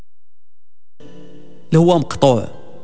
هو مقطوع